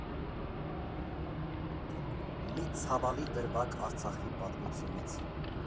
Մի ցավալի դրվագ Արցախի պատմությունից։